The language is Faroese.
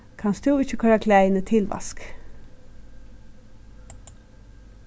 kanst tú ikki koyra klæðini til vask